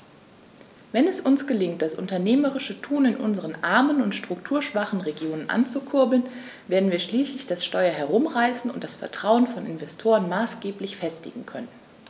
Wenn es uns gelingt, das unternehmerische Tun in unseren armen und strukturschwachen Regionen anzukurbeln, werden wir schließlich das Steuer herumreißen und das Vertrauen von Investoren maßgeblich festigen können.